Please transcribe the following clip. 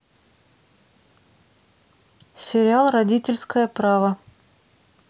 сериал родительское право